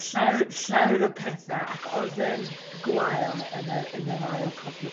llaw- llawer y pethau ac o'dd e'n gwael yn yr yn yr ail cofnod